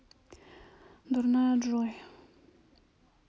дурная джой